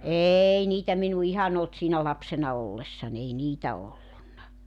ei niitä minun ihan ollut siinä lapsena ollessani ei niitä ollut